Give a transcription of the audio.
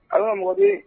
Ala mɔden